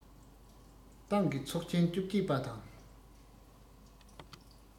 ཏང གི ཚོགས ཆེན བཅོ བརྒྱད པ དང